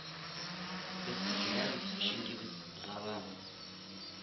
Без исерәбез, чөнки без гавам